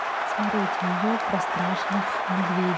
смотреть видео про страшных медведей